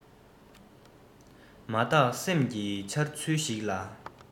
མ བརྟགས སེམས ཀྱི འཆར ཚུལ ཞིག ལ